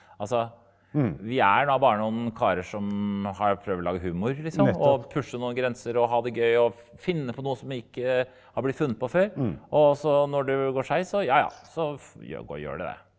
altså vi er da bare noen karer som har prøvd å lage humor liksom og pushe noen grenser og ha det gøy og finne på noe som ikke har blitt funnet på før og så når det går skreis så jaja så gjør det det.